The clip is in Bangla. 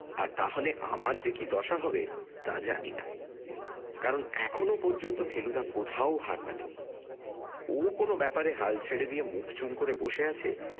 আর তা হলে আমার যে কী দশা হবে তা জানি না কারণ এখন পর্যন্ত ফেলুদা কোথাও হার মানেনি ও কোনও ব্যাপারে হাল ছেড়ে দিয়ে মুখ চুন করে বসে আছে